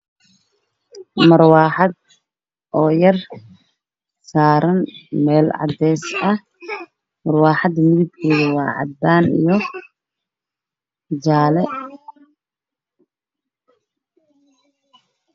Waa muraaxad saaran meel cadeys ah